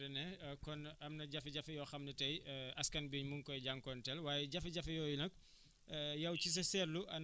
jërëjëf monsieur René kon am na jafe-jafe yoo xam ne tey askan bi ñu ngi koy jànkuwanteel waaye jafe-jafe yooyu nag